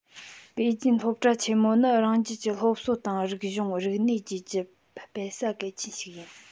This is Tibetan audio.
པེ ཅིན སློབ གྲྭ ཆེན མོ ནི རང རྒྱལ གྱི སློབ གསོ དང རིག གཞུང རིག གནས བཅས ཀྱི སྤེལ ས གལ ཆེན ཞིག ཡིན